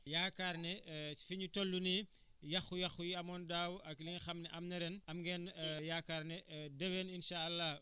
kon ci tënk est ce que am ngeen yaakaar ne fi ñu toll nii yàqu-yàqu yi amoon daaw ak li nga xam ne am na ren am ngeen